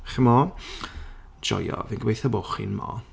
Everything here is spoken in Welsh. Chimod? Joio, fi'n gobeithio bo' chimod!